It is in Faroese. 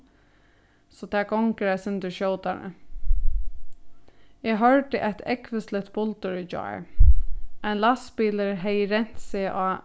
so tað gongur eitt sindur skjótari eg hoyrdi eitt ógvusligt buldur í gjár ein lastbilur hevði rent seg á